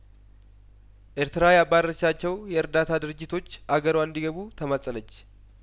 ኤርትራ ያባረረቻቸው የእርዳታ ድርጅቶች አገሯ እንዲገቡ ተማጸነች